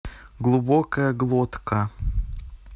глубокая глотка